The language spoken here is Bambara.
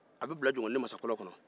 a bɛ bila jɔnkolonin mansakɔlɔn kɔnɔ